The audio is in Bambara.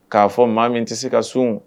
K'a fɔ maa min tɛ se ka sun